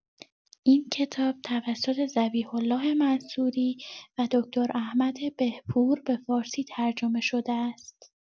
این کتاب توسط ذبیح‌الله منصوری و دکتر احمد بهپور به فارسی ترجمه شده است.